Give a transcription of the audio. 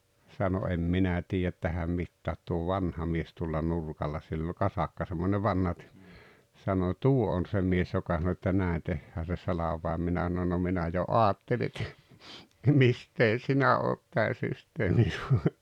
sanoi en minä tiedä tähän mitään tuo vanha mies tuolla nurkalla sillä oli kasakka semmoinen vanha - sanoi tuo on se mies joka sanoi että näin tehdään se salvain minä sanoin no minä jo ajattelin että mistä sinä olet tämän systeemin -